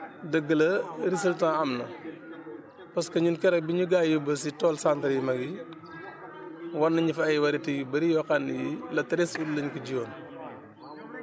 dëgg la résultat am na parce que ñun keroog bi ñu ga yi yóbboo si tool centre yu mag yi wan nañ ñu fa ay variétés yu bëri yoo xam ne yii le treize août lañ ko jiyoon